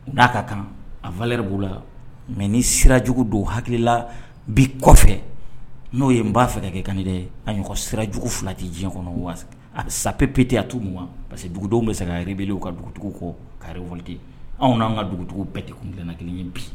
N'a ka kan a fa yɛrɛ b'o la mɛ ni sira jugu don hakilila bi kɔfɛ n'o ye n b'a fɛ kɛ kan yɛrɛ' ɲɔgɔn sira fila tɛ diɲɛ kɔnɔ wa a bɛ sap pe peerete a tu wa parce que dugudenw bɛ se ka yɛrɛb u ka dugu kɔ kawalete anw'an ka dugu bɛɛ tɛ kun dilanna kelen ye bi